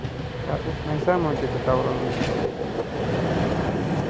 ha o'tmaysanmi dedi davron unga